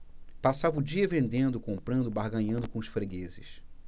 passava o dia vendendo comprando barganhando com os fregueses